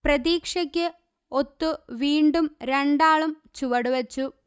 പ്രതീക്ഷക്ക് ഒത്തു വീണ്ടും രണ്ടാളും ചുവടുവെച്ചു